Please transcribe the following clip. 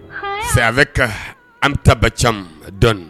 Saya bɛ ka an taba caman dɔn